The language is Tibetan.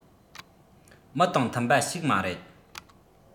མི དང མཐུན པ ཞིག མ རེད